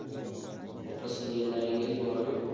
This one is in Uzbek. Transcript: opa singillaringiz bormi